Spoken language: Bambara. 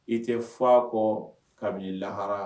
I tɛ fa kɔ kabini lahara